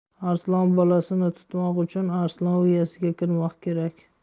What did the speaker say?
arslon bolasini tutmoq uchun arslon uyasiga kirmoq kerak